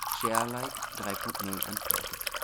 Share Alike 3 Punkt 0 Unported